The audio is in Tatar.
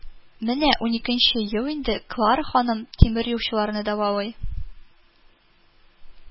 Менә уникенче ел инде Клара ханым тимер юлчыларны дәвалый